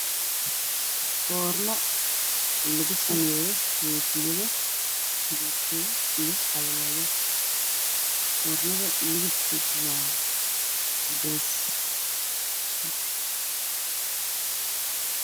Foorno laku sameyo rooti io doolsho io xalwo foornada midbakedu waa cades